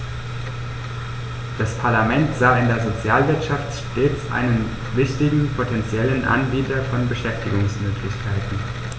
Das Parlament sah in der Sozialwirtschaft stets einen wichtigen potentiellen Anbieter von Beschäftigungsmöglichkeiten.